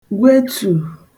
gwetù